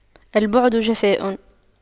البعد جفاء